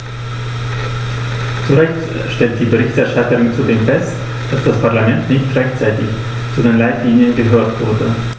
Zu Recht stellt die Berichterstatterin zudem fest, dass das Parlament nicht rechtzeitig zu den Leitlinien gehört wurde.